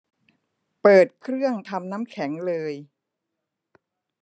เปิดเครื่องทำน้ำแข็งเลย